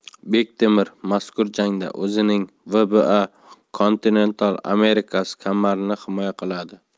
bektemir mazkur jangda o'zining wba continental americas kamarini himoya qiladi